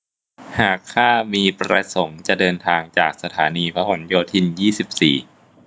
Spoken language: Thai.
หากข้ามีประสงค์จะเดินทางจากสถานีพหลโยธินยี่สิบสี่